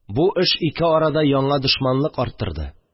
Бу эш ике арада яңа дошманлык арттырды